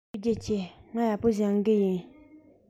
ཐུགས རྗེ ཆེ ངས ཡག པོ སྦྱོང གི ཡིན